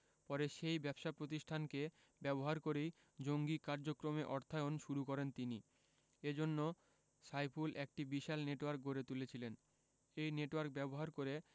পরে সেই ব্যবসা প্রতিষ্ঠানকে ব্যবহার করেই জঙ্গি কার্যক্রমে অর্থায়ন শুরু করেন তিনি এ জন্য সাইফুল একটি বিশাল নেটওয়ার্ক গড়ে তুলেছিলেন এই নেটওয়ার্ক ব্যবহার করে